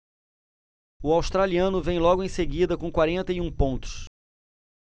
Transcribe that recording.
o australiano vem logo em seguida com quarenta e um pontos